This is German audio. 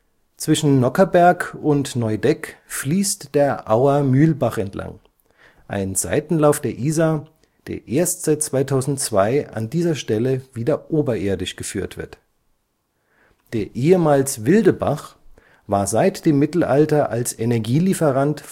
Zwischen Nockherberg und Neudeck fließt der Auer Mühlbach entlang, ein Seitenlauf der Isar, der erst seit 2002 an dieser Stelle wieder oberirdisch geführt wird. Der ehemals wilde Bach war seit dem Mittelalter als Energielieferant